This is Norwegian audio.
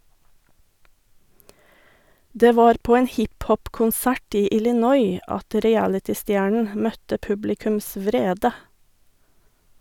Det var på en hiphop-konsert i Illinois at realitystjernen møtte publikums vrede.